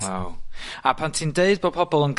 Waw, a pan ti'n deud bod pobl yn galw